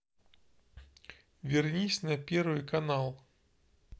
вернись на первый канал